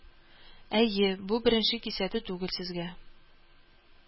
Әйе, бу беренче кисәтү түгел сезгә